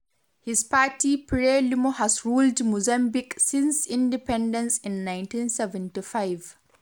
His party Frelimo has ruled Mozambique since independence in 1975.